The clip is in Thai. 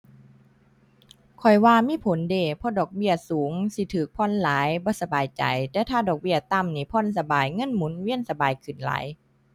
ข้อยว่ามีผลเดะ เพราะดอกเบี้ยสูงสิถูกผ่อนหลาย บ่สบายใจ แต่ถ้าดอกเบี้ยต่ำนี่ผ่อนสบาย เงินหมุนเวียนสบายขึ้นหลาย